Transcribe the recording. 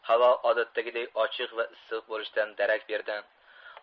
havo odatdagiday ochiq va issiq bo'lishidan darak berdi